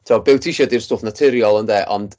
Timod be wyt ti isio ydy'r stwff naturiol ynde ond...